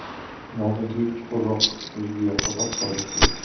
yolg'izlik chuqurroq o'ziga yaqinroq qarashga